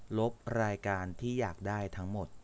ลบรายการที่อยากได้ทั้งหมด